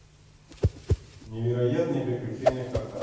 невероятные приключения кота